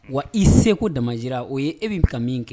Wa i seko damayira, o ye e bɛ ka min kɛ.